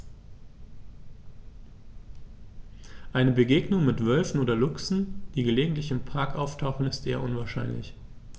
Eine Begegnung mit Wölfen oder Luchsen, die gelegentlich im Park auftauchen, ist eher unwahrscheinlich.